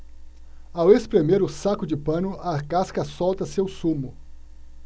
ao espremer o saco de pano a casca solta seu sumo